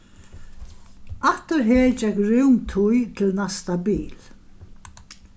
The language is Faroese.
aftur her gekk rúm tíð til næsta bil